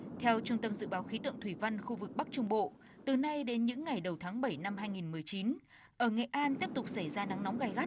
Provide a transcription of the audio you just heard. theo trung tâm dự báo khí tượng thủy văn khu vực bắc trung bộ từ nay đến những ngày đầu tháng bảy năm hai nghìn mười chín ở nghệ an tiếp tục xảy ra nắng nóng gay gắt